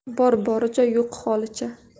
bor boricha yo'q holicha